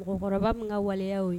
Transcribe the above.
Mɔgɔkɔrɔba min ka waleya' o ye